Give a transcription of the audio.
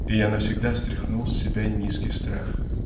и я навсегда стряхнул с себя низкий Страх.